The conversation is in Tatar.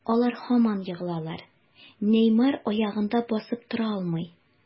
Алар һаман егылалар, Неймар аягында басып тора алмый.